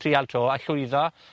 trial 'to a llwyddo.